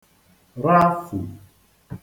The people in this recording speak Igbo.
rafù